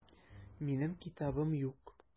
Минем китабым юк.